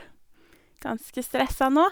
Ganske stressa nå.